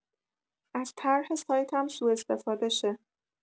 از طرح سایتم سو استفاده شه